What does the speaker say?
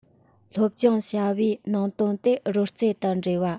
སློབ སྦྱོང བྱ བའི ནང དོན དེ རོལ རྩེད དུ འདྲེས པ